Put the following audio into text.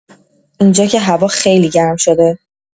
اینجا که هوا خیلی گرم شده